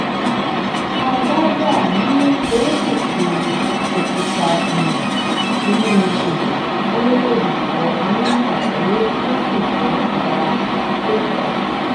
Aldabra ni erékùṣù òkúta iyùn inú odò tí ó tóbi jùlọ ní àgbáyé tí ó sì jẹ́ ara Seychelles.